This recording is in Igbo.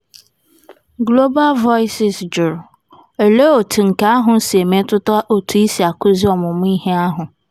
GV: Olee otú nke ahụ si emetụta otú i si akụzi ọmụmụ ihe ahụ?